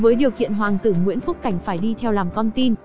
với điều kiện hoàng tử nguyễn phúc cảnh phải đi theo làm con tin